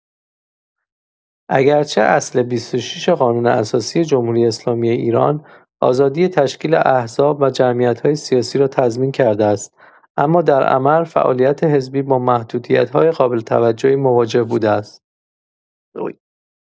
اگرچه اصل ۲۶ قانون اساسی جمهوری‌اسلامی ایران، آزادی تشکیل احزاب و جمعیت‌های سیاسی را تضمین کرده است، اما در عمل، فعالیت حزبی با محدودیت‌های قابل توجهی مواجه بوده است.